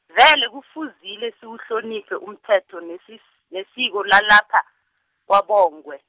vele kufuzile siwuhloniphe umthetho nesis- nesiko lalapha, kwaBongwe.